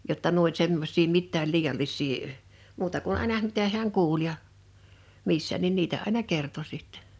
jotta nuo oli semmoisia mitään liiallisia muuta kuin aina hän mitä hän kuuli ja missä niin niitä aina kertoi sitten